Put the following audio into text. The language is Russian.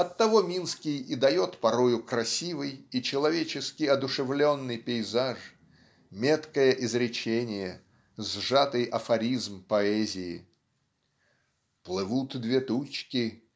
Оттого Минский и дает порою красивый и человечески одушевленный пейзаж меткое изречение сжатый афоризм поэзии. Плывут две тучки